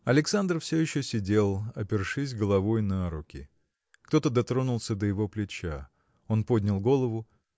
Александр все еще сидел, опершись головой на руки. Кто-то дотронулся до его плеча. Он поднял голову